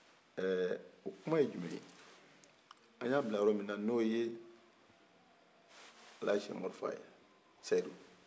ɛɛ o kuman ye jumɛn ye an y'a bila yɔrɔ min na n'o ye ɛlihaji sekumar fa ye seyidu